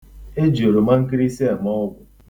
E ji oromankịrisị eme ọgwụ.